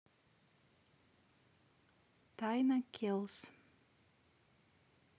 тайна келлс